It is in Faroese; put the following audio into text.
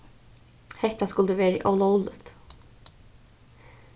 hetta skuldi verið ólógligt